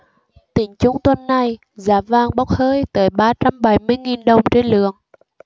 tính chung tuần này giá vàng bốc hơi tới ba trăm bảy mươi nghìn đồng trên lượng